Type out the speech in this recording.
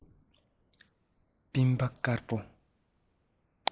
སྤྲིན པ དཀར པོ